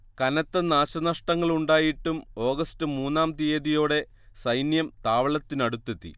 കനത്ത നാശനഷ്ടങ്ങളുണ്ടായിട്ടും ഓഗസ്റ്റ് മൂന്നാം തീയതിയോടെ സൈന്യം താവളത്തിനടുത്തെത്തി